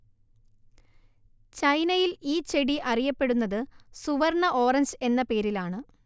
ചൈനയിൽ ഈ ചെടി അറിയപ്പെടുന്നത് സുവർണ്ണ ഓറഞ്ച് എന്ന പേരിലാണ്